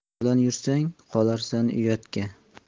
yomon bilan yursang qolarsan uyatga